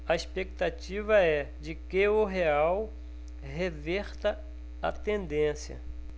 a expectativa é de que o real reverta a tendência